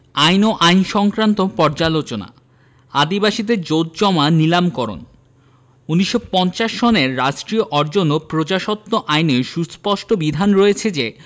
আইন ও আইন সংক্রান্ত পর্যালোচনা আদিবাসীদের জোতজমা নীলামকরণ ১৯৫০ সনের রাষ্ট্রীয় অর্জন ও প্রজাস্বত্ব আইনে সুস্পষ্ট বিধান রয়েছে যে